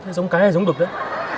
thế giống cái hay giống đực đấy